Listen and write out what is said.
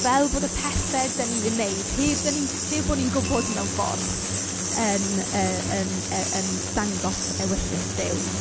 Fel bod y pethe dan ni'n wneud, heb dan ni'n g-... heb bo' ni'n gwybod mewn ffordd yn yy yn yy yn dangos ewyllys Duw.